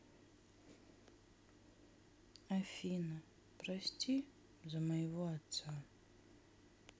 афина прости за моего отца